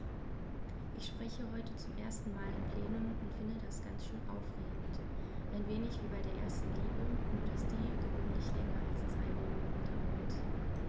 Ich spreche heute zum ersten Mal im Plenum und finde das ganz schön aufregend, ein wenig wie bei der ersten Liebe, nur dass die gewöhnlich länger als zwei Minuten dauert.